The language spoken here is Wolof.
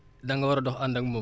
da nga war a dox ànd ak moom